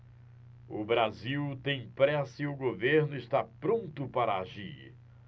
o brasil tem pressa e o governo está pronto para agir